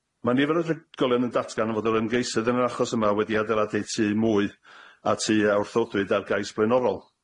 Ma' nifer o drigolion yn datgan fod yr ymgeisydd yn yr achos yma wedi adeiladu tŷ mwy, a tŷ a wrthodwyd ar gais blaenorol.